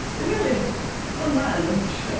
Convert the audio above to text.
'Dio'm rili... Wel, mae o'n ddawnsio.